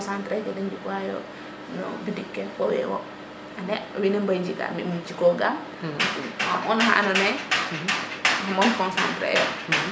concentré ke de njik wa yo boutique ke fo we wo ande wene mi njika mi jiko gaam no monola ando naye concentré